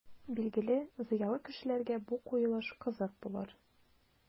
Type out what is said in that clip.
Билгеле, зыялы кешеләргә бу куелыш кызык булыр.